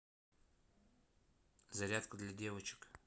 зарядка для девочек